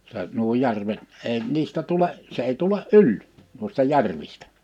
se nuo järvet ei niistä tule se ei tule yli noista järvistä